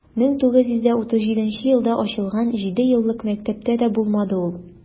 1937 елда ачылган җидееллык мәктәптә дә булмады ул.